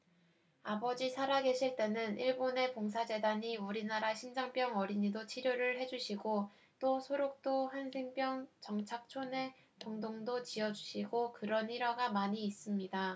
아버지 살아계실 때는 일본의 봉사재단이 우리나라 심장병 어린이도 치료를 해주시고 또 소록도 한센병 정착촌에 병동도 지어주시고 그런 일화가 많이 있습니다